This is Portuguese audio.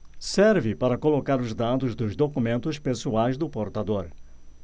serve para colocar os dados dos documentos pessoais do portador